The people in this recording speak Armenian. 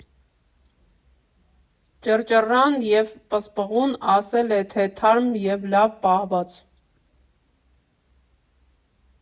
Ճռճռան և պսպղուն, ասել է թե՝ թարմ և լավ պահված։